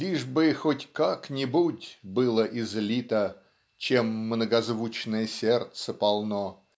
"лишь бы хоть как-нибудь было излито, чем многозвучное сердце полно".